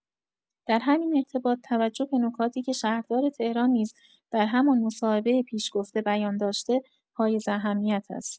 در همین ارتباط، توجه به نکاتی که شهردار تهران نیز در همان مصاحبه پیش‌گفته بیان داشته، حایز اهمیت است.